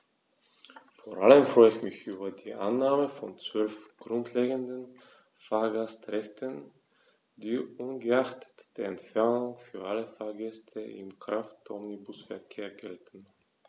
Vor allem freue ich mich über die Annahme von 12 grundlegenden Fahrgastrechten, die ungeachtet der Entfernung für alle Fahrgäste im Kraftomnibusverkehr gelten.